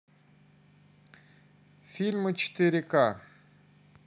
фильмы четыре к